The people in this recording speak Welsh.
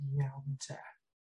Yn iawn 'te.